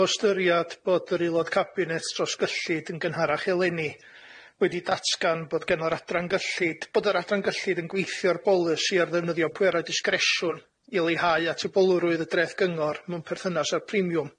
O ystyriad bod yr eulod cabinet dros gyllid yn gynharach eleni wedi datgan bod gynno'r adran gyllid bod yr adran gyllid yn gweithio ar bolisi o ddefnyddio pwerau disgresiwn i leihau atebolrwydd y dreth gyngor mewn perthynas â'r premium,